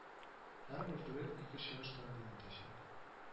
Һәрбер дуэт ике чыгыш тәкъдим итәчәк